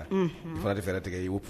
Fara fɛrɛ tigɛ y'o